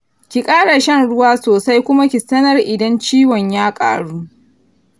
ki ƙara shan ruwa sosai kuma ki sanar idan ciwon ya ƙaru.